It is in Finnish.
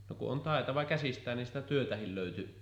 no kun on taitava käsistään niin sitä työtäkin löytyi